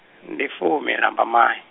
ndi fumi Lambamai.